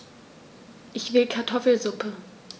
Ich will Kartoffelsuppe.